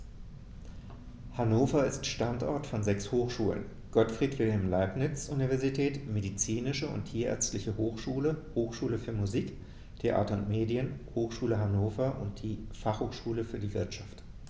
Hannover ist Standort von sechs Hochschulen: Gottfried Wilhelm Leibniz Universität, Medizinische und Tierärztliche Hochschule, Hochschule für Musik, Theater und Medien, Hochschule Hannover und die Fachhochschule für die Wirtschaft.